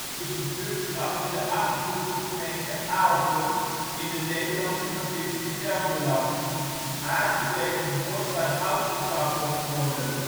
is een buurtschap in de Achterhoekse gemeente Aalten, in de Nederlandse provincie Gelderland. Haart betekent Bos waar hout gekapt mocht worden